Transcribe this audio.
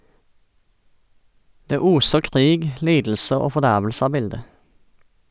Det oser krig, lidelse og fordervelse av bildet.